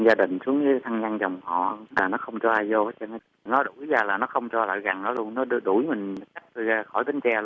nguyên gia đình xuống dưới thân nhân dòng họ nó không cho vô hết trơn nó không cho lại gần nó luôn nó đuổi mình ra khỏi bến tre luôn